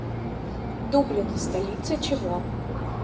дублин столица чего